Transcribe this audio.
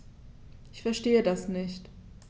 Ich verstehe das nicht.